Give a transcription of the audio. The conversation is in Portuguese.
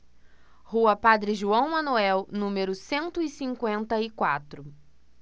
rua padre joão manuel número cento e cinquenta e quatro